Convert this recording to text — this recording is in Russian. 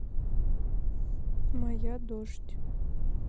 моя дождь